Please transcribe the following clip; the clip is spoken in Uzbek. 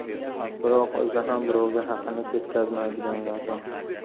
biroq o'zi ham birovga haqini ketkazmaydiganlardan